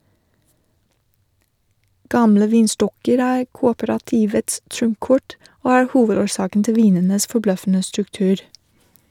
Gamle vinstokker er kooperativets trumfkort, og er hovedårsaken til vinenes forbløffende struktur.